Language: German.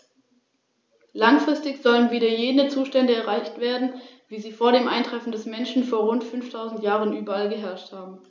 Der Mensch soll hier nur Beobachter auf vorgegebenen Pfaden bleiben, damit sich die eindrückliche alpine Landschaft in ihren eigenen dynamischen Prozessen entwickeln kann.